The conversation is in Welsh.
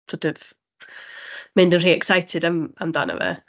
sort of mynd yn rhy excited am- amdano fe.